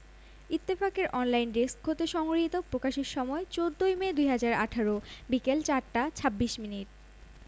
ইত্তেফাক এর online desk হতে সংগৃহীত প্রকাশের সময় ১৪মে ২০১৮ বিকেল ৪টা ২৬ মিনিট